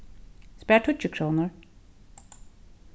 spar tíggju krónur